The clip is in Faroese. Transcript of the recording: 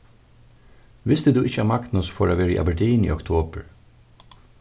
visti tú ikki at magnus fór at vera í aberdeen í oktobur